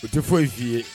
O tɛ fɔ ye'i ye